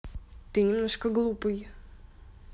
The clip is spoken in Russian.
ты немножко глупый